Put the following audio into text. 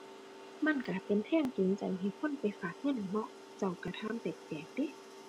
มันก็เป็นก็จูงใจให้คนไปฝากเงินล่ะเนาะ เจ้าก็ถามแปลกแปลกเดะ